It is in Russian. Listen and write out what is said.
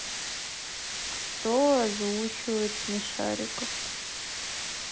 кто озвучивает смешариков